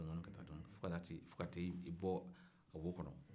dɔɔnin dɔɔnin ka taa fo ka taa bulon kɔnɔ